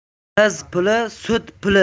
qiz puli sut puli